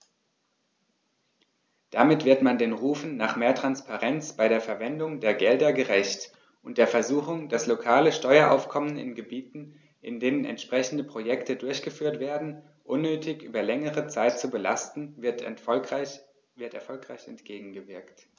Damit wird man den Rufen nach mehr Transparenz bei der Verwendung der Gelder gerecht, und der Versuchung, das lokale Steueraufkommen in Gebieten, in denen entsprechende Projekte durchgeführt werden, unnötig über längere Zeit zu belasten, wird erfolgreich entgegengewirkt.